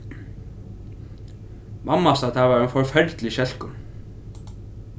mammasta tað var ein forferdiligur skelkur